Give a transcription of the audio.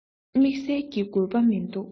དམིགས བསལ གྱི དགོས པ མིན འདུག